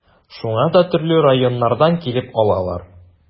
Шуңа да төрле районнардан килеп алалар.